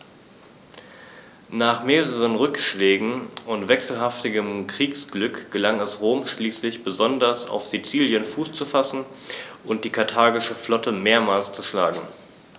Nach mehreren Rückschlägen und wechselhaftem Kriegsglück gelang es Rom schließlich, besonders auf Sizilien Fuß zu fassen und die karthagische Flotte mehrmals zu schlagen.